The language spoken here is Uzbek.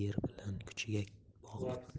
bilan kuchiga bog'liq